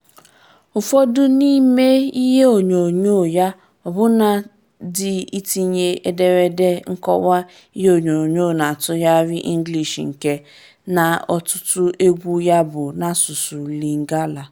Ụfọdụ n'ime ihe onyonyo ya ọbụna dị itinye ederede nkọwa ihe onyonyo na ntụgharị English nke na ọtụtụ egwu ya bụ n'asụsụ Lingala.